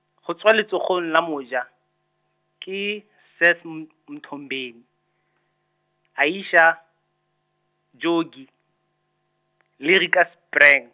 go tswa letsogong la moja, ke Seth M- Mthombeni, Aysha, Jogee, le Rika Sprang.